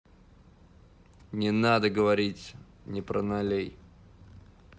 не надо говорить не про налей